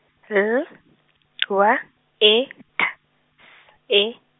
L W E T S E.